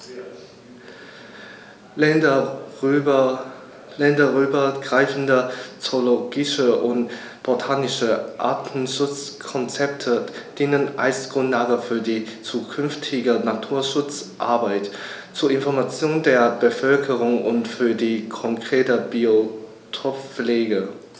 Länderübergreifende zoologische und botanische Artenschutzkonzepte dienen als Grundlage für die zukünftige Naturschutzarbeit, zur Information der Bevölkerung und für die konkrete Biotoppflege.